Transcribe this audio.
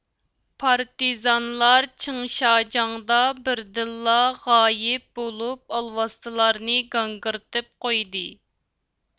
پارتىزانلار چىڭشاجاڭدا بىردىنلا غايىب بولۇپ ئالۋاستىلارنى گاڭگىرىتىپ قويدى